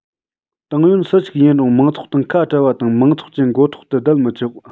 ཏང ཡོན སུ ཞིག ཡིན རུང མང ཚོགས དང ཁ བྲལ བ དང མང ཚོགས ཀྱི མགོ ཐོག ཏུ བསྡད མི ཆོག